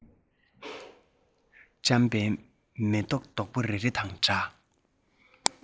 བཀྲམ པའི མུ ཏིག རྡོག པོ རེ རེ དང འདྲ